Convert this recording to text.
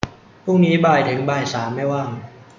พรุ่งนี้บ่ายถึงบ่ายสามไม่ว่าง